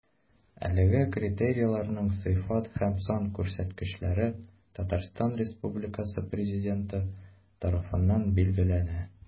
Әлеге критерийларның сыйфат һәм сан күрсәткечләре Татарстан Республикасы Президенты тарафыннан билгеләнә.